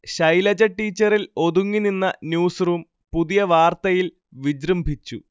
ശൈലജ ടീച്ചറിൽ ഒതുങ്ങിനിന്ന ന്യൂസ്റൂം പുതിയ വാർത്തയിൽ വിജൃംഭിച്ചു